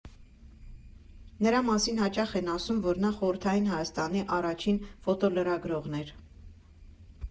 Նրա մասին հաճախ են ասում, որ նա Խորհրդային Հայաստանի առաջին ֆոտոլրագրողն էր։